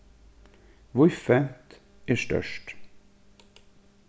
víðfevnt er stórt